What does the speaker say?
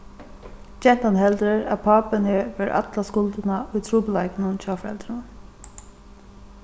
gentan heldur at pápin hevur alla skuldina í trupulleikunum hjá foreldrunum